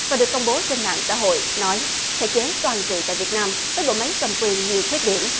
và được công bố trên mạng xã hội nói thể chế toàn trị tại việt nam với bộ máy cầm quyền nhiều khuyết điểm